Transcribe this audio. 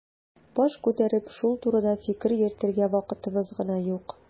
Баш күтәреп шул турыда фикер йөртергә вакытыбыз гына юк.